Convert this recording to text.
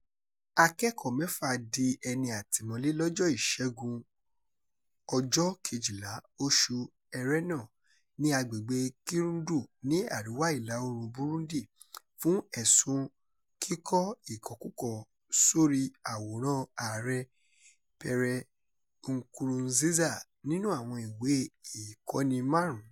Akẹ́kọ̀ọ́ mẹ́fà di ẹni àtìmọ́lé lọjọ́ Ìṣẹ́gun 12, oṣù Ẹrẹ́nà ní agbègbè Kirundo ní Àríwá Ìlà-oòrùn Burundi fún ẹ̀sùn-un kíkọ ìkọkúkọ sórí àwòrán Ààrẹ Pierre Nkurunziza nínú àwọn ìwé ìkọ́ni márùn-ún.